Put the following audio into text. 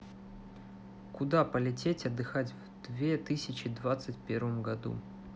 куда полететь отдыхать в две тысячи двадцать первом году